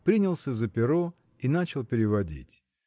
принялся за перо и начал переводить.